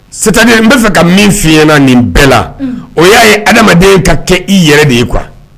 c'est à dire n bɛ fɛ ka min fɔ i ɲɛna nin bɛɛ la, o y'a ye adamadama ka kɛ i yɛrɛ de ye quoi